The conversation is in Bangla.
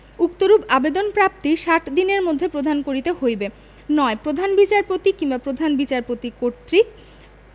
উক্তরূপ আবেদন প্রাপ্তির ষাট দিনের মধ্যে প্রদান করিতে হইবে ৯ প্রধান বিচারপতি কিংবা প্রধান বিচারপাতি কর্তৃক